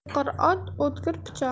chopqir ot o'tkir pichoq